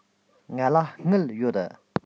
ང ལ དངུལ ཡོད